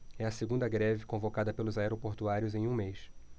é a segunda greve convocada pelos aeroportuários em um mês